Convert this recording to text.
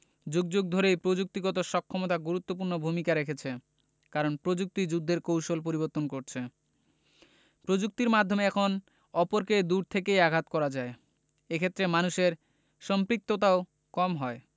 যুগ যুগ ধরেই প্রযুক্তিগত সক্ষমতা গুরুত্বপূর্ণ ভূমিকা রেখেছে কারণ প্রযুক্তিই যুদ্ধের কৌশল পরিবর্তন করছে প্রযুক্তির মাধ্যমে এখন অপরকে দূর থেকেই আঘাত করা যায় এ ক্ষেত্রে মানুষের সম্পৃক্ততাও কম হয়